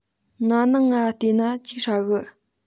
ན ནིང ང བལྟས ན ཅིག ཧྲ གི